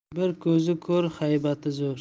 bir ko'zi ko'r haybati zo'r